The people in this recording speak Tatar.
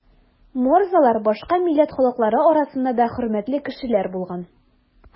Морзалар башка милләт халыклары арасында да хөрмәтле кешеләр булган.